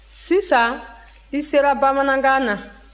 sisan i sera bamanankan na